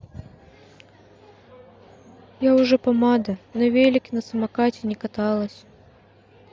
я уже помада на велике на самокате не каталась